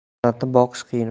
farzandni boqish qiyin